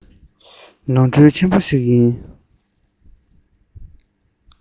ནོར འཁྲུལ ཆེན པོ ཞིག ཡིན